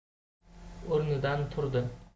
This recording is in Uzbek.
o'rnidan turdi